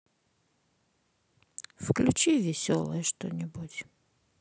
включи веселое что нибудь